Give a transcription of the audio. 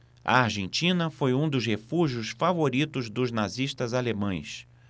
a argentina foi um dos refúgios favoritos dos nazistas alemães